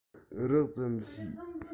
རགས ཙམ ཤེས